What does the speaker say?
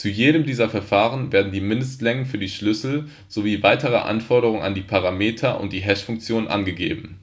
jedem dieser Verfahren werden die Mindestlängen für die Schlüssel sowie weitere Anforderungen an die Parameter und die Hashfunktion angegeben